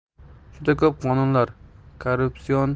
juda ko'p qonunlar korrupsion